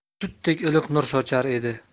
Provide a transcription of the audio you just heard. sutdek iliq nur sochar edi